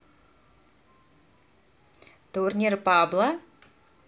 турнир пабло